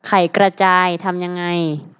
ไข่กระจายทำยังไง